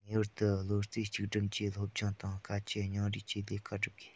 ངེས པར དུ བློ རྩེ གཅིག སྒྲིམ གྱིས སློབ སྦྱོང དང དཀའ སྤྱད སྙིང རུས ཀྱིས ལས ཀ བསྒྲུབ དགོས